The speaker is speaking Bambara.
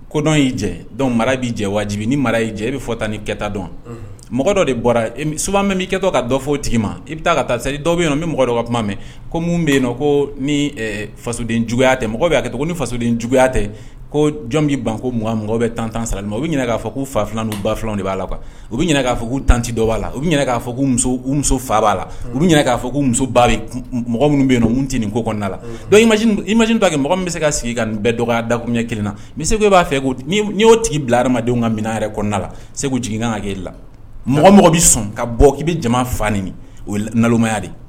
Kodɔn y'i jɛ dɔn mara b'i jɛ wajibi ni mara y'i jɛ i bɛ fɔ tan ni kɛta dɔn mɔgɔ dɔ de bɔra min b'itɔ ka dɔ fɔ tigi ma i bɛ taa ka taa sa i dɔ bɛ yen min mɔgɔ dɔ ka tuma mɛn ko minnu bɛ yen nɔn ko ni fasoden juguya tɛ mɔgɔ bɛ a kɛ ko ni fasoden juguya tɛ ko jɔn bɛ'i ban ko mɔgɔ mɔgɔ bɛ tantan sara u bɛ ɲɛna k'a k' fa filan niu bafi b'a la u bɛ k'a fɔ k' tanti dɔw b'a la u bɛ k'a k' u muso faa b'a la u bɛ ɲɛna k'a fɔ k' muso mɔgɔ minnu bɛ yenun tɛ nin ko kɔnɔnada la i ma kɛ mɔgɔ min bɛ se ka sigi ka bɛ dɔgɔ da ɲɛ kelen na se b'a fɛ ko y' tigi bilaradenw ka minɛn yɛrɛ kɔnɔna la segu jigin' jira i la mɔgɔ mɔgɔ bɛ sɔn ka bɔ k'i bɛ jama fa ni o naya de